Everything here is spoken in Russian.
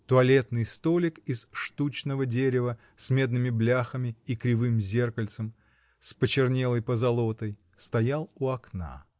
Туалетный столик из штучного дерева, с медными бляхами и кривым зеркальцем, с почернелой позолотой, стоял у окна.